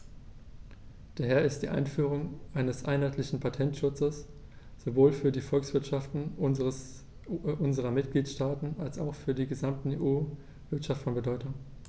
Daher ist die Einführung eines einheitlichen Patentschutzes sowohl für die Volkswirtschaften unserer Mitgliedstaaten als auch für die gesamte EU-Wirtschaft von Bedeutung.